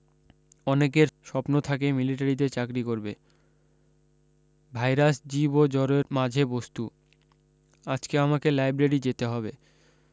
অনেকের স্বপন থাকে মিলিটারিতে চাকরী করবে ভাইরাস জীব ও জড়োর মাঝে বস্তু আজকে আমাকে লাইব্রেরী যেতে হবে